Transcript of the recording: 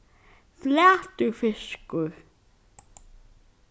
flatur fiskur